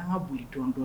An ka boli dɔn dɔn